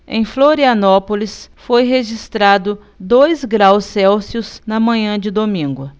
em florianópolis foi registrado dois graus celsius na manhã de domingo